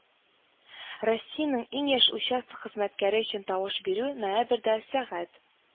Россиянең иң яхшы участок хезмәткәре өчен тавыш бирү ноябрьдә сәгать